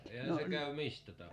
eihän se käy mistä -